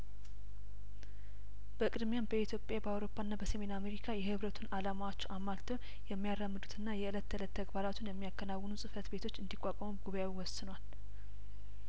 በቅድሚያም በኢትዮጵያ በአውሮፓና በሰሜን አሜሪካ የህብረቱን አላማዎች አሟል ተው የሚያራምዱና የእለት ተእለት ተግባራ ቱን የሚያከናውኑ ጽህፈት ቤቶች እንዲ ቋቋሙ ጉባኤው ወስኗል